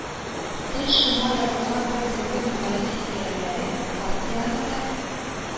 Тый шома язылган бер төркем юмористик хикәяләре («касса янында»,